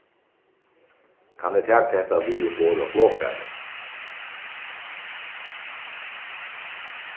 kann eg taka hetta við umborð á flogfarið